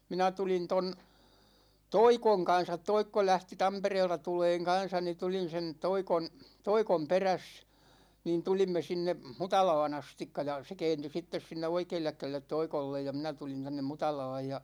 minä tulin tuon Toikon kanssa Toikko lähti Tampereelta tulemaan kanssa niin tulin sen Toikon Toikon perässä niin tulimme sinne Mutalaan asti ja se kääntyi sitten sinne oikealle kädelle Toikolle ja minä tulin tänne Mutalaan ja